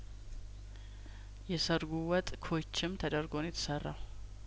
የሰርጉ ወጥ ኩችም ተደርጐ ነው የተሰራው